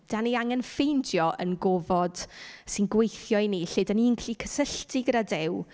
Dan ni angen ffeindio ein gofod sy'n gweithio i ni lle dan ni'n gallu cysylltu gyda Duw.